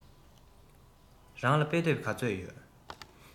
རང ལ དཔེ དེབ ག ཚོད ཡོད